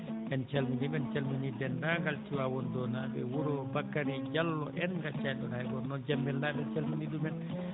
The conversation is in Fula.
en calminii ɓe en calminii denndaangal Clawondo naɓe wuro Bakary Diallo en en ngaccaani ɗon hay gooto no Diamel naɓe en calminii ɗumen